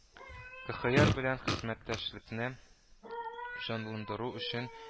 КХР белән хезмәттәшлекне җанландыру өчен